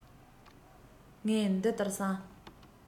ངས འདི ལྟར བསམ